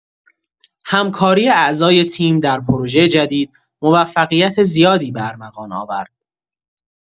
همکاری اعضای تیم در پروژه جدید، موفقیت زیادی به ارمغان آورد.